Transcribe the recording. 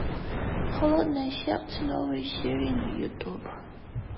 холодное сердце новые серии на ютуб